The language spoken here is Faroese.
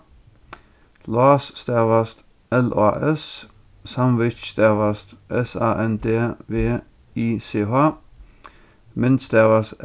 lás stavast l á s sandwich stavast s a n d v i c h mynd stavast